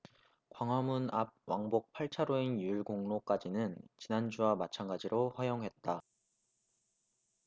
광화문 앞 왕복 팔 차로인 율곡로까지는 지난주와 마찬가지로 허용했다